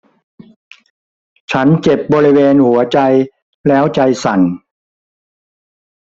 ฉันเจ็บบริเวณหัวใจแล้วใจสั่น